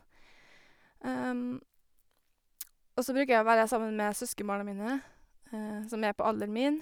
Og så bruker jeg å være sammen med søskenbarna mine, som er på alderen min.